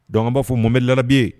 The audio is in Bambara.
Dɔn'a fɔ mommeri labi